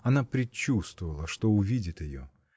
она предчувствовала, что увидит ее.